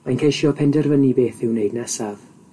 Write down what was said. Mae'n ceisio penderfynu beth i'w wneud nesa.